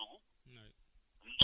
poussière bi da siy dugg